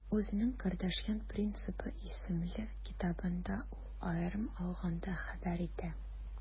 Үзенең «Кардашьян принципы» исемле китабында ул, аерым алганда, хәбәр итә: